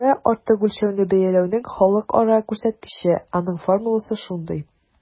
ИМТ - артык үлчәүне бәяләүнең халыкара күрсәткече, аның формуласы шундый: